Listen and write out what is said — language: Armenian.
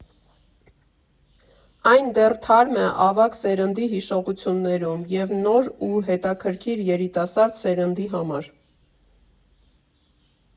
Այն դեռ թարմ է ավագ սերնդի հիշողություններում և նոր ու հետաքքիր երիտասարդ սերնդի համար։